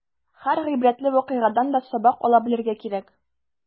Һәр гыйбрәтле вакыйгадан да сабак ала белергә кирәк.